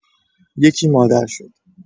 یکی مادر شد.